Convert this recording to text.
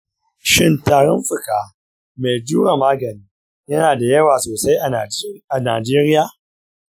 shin tarin fuka mai jure magani yana da yawa sosai a najeriya?